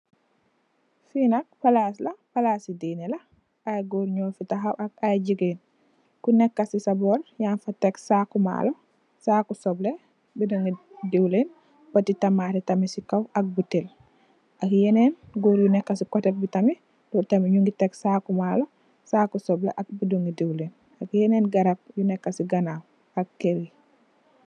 Fi nak palas la palasi dinee la ay goor nyu fi taxaw ak ay jigeen kuneka si sax borr yanfa tek sagu maloo saku soplex bidon gi dewleen poti tamate tamit si kaw ak botale ak yenen goor yu neka si kote tamit nyom tam nyungi tek sagu maloo saku soplex ak bidon gi dewleen ak yenen garab yu neka si ganaw ak keur.